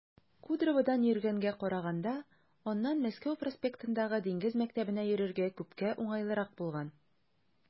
Кудроводан йөргәнгә караганда аннан Мәскәү проспектындагы Диңгез мәктәбенә йөрергә күпкә уңайлырак булган.